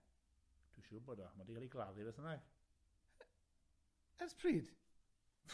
Dwi siŵr bod o. Mae 'di ga'l 'i gladdu beth bynnag. E- ers pryd?